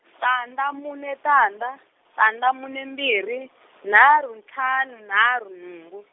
tandza mune tandza, tandza mune mbirhi, nharhu ntlhanu nharhu nhungu.